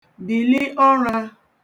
bìli ụrā